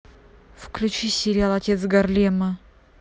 включи сериал отец гарлема